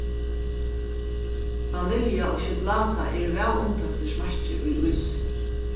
vanilja og sjokuláta eru væl umtóktir smakkir í ísi